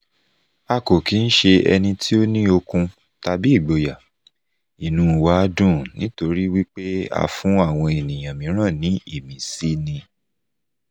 A kò kí ń ṣe ẹni tí ó ní okun tàbí ìgboyà... inúu wa dùn nítorí wípé a fún àwọn ènìyàn mìíràn ní ìmísí ni.